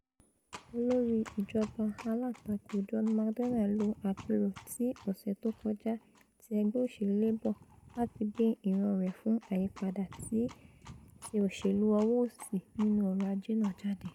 Olórí Ìjọba Alátakò John McDonnell lo àpérò ti ọ̀sẹ̀ tókọjá ti Ẹgbẹ Òṣèlú Labour láti gbé ìran rẹ̀ fún àyipadà ti òṣèlu ọwọ-òsì nínú ọrọ̀-ajé náà jade.